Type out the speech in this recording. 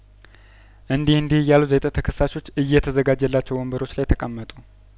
እንዲህ እንዲህ እያሉ ዘጠኝ ተከሳሾች እየተዘጋጀላቸው ወን በሮች ላይ ተቀመጡ